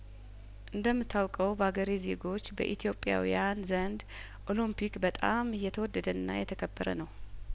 እንደምታ ውቀው በአገሬ ዜጐች በኢትዮጵያውያን ዘንድ ኦሎምፒክ በጣም የተወደደና የተከበረ ነው